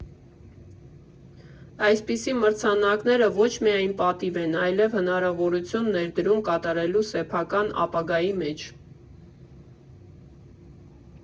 Այսպիսի մրցանակները ոչ միայն պատիվ են, այլև հնարավորություն ներդրում կատարելու սեփական ապագայի մեջ։